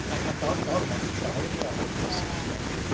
A go- gormod o geiriau i dysgu hefyd.